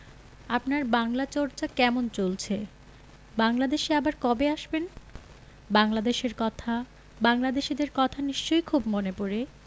আপনার বাংলা চর্চা কেমন চলছে বাংলাদেশে আবার কবে আসবেন বাংলাদেশের কথা বাংলাদেশীদের কথা নিশ্চয় খুব মনে পরে